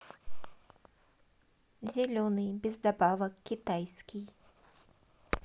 зеленый без добавок китайский